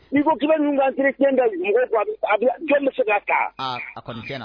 N'i ko tile ninnu ka bɛ se ka kan